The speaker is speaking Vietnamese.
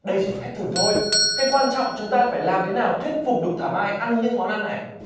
đây chỉ là phép thử thôi cái quan trọng chúng ta phải làm thế nào thuyết phục được thảo mai ăn những món ăn này